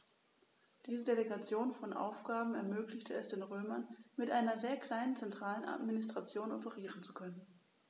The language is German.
Diese Delegation von Aufgaben ermöglichte es den Römern, mit einer sehr kleinen zentralen Administration operieren zu können.